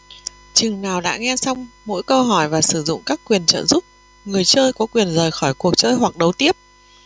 chừng nào đã nghe xong mỗi câu hỏi và sử dụng các quyền trợ giúp người chơi có quyền rời khỏi cuộc chơi hoặc đấu tiếp